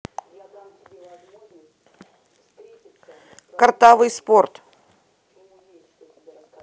картавый спорт